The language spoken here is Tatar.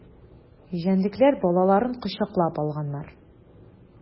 Җәнлекләр балаларын кочаклап алганнар.